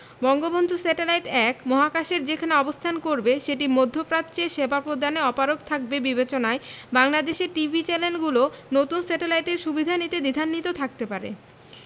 Bangabandhu satellite ১ মহাকাশের যেখানে অবস্থান করবে সেটি মধ্যপ্রাচ্যে সেবা প্রদানে অপারগ থাকবে বিবেচনায় বাংলাদেশের টিভি চ্যানেলগুলো নতুন স্যাটেলাইটের সুবিধা নিতে দ্বিধান্বিত থাকতে পারে